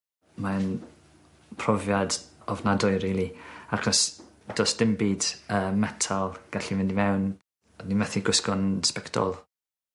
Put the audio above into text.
Mae'n profiad ofnadwy rili achos do's dim byd yy metal gallu mynd i mewn, o'n i methu gwisgo'n sbectol.